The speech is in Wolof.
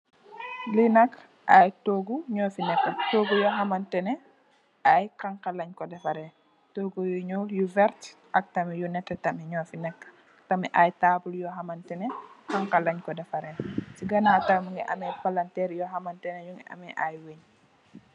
Li nak ay toogu noo fi nekka, toogu yo hamantene hankar leen ko defarè. Toogu yu ñuul, yu vert ak tamit yu nète tamit yo fi nekka. Tamit ay taabul yo hamantene hankar leen ko defarè. Ci gannaw tamit mungi am ay palanteer yo hamantene nungi ameh ay wën.